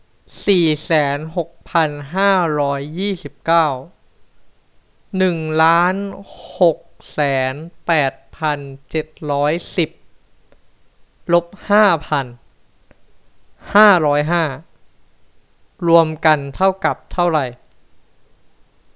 สี่แสนหกพันห้าร้อยยี่สิบเก้าล้านหกแสนแปดพันเจ็ดร้อยสิบลบห้าพันห้าร้อยห้ารวมกันเท่ากับเท่าไหร่